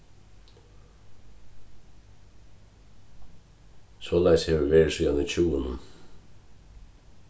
soleiðis hevur verið síðan í tjúgunum